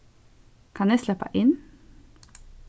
kann eg sleppa inn